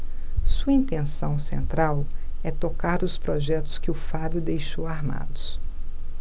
sua intenção central é tocar os projetos que o fábio deixou armados